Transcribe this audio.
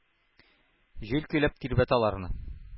Җил көйләп тирбәтә аларны,